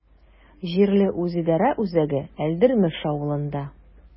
Җирле үзидарә үзәге Әлдермеш авылында.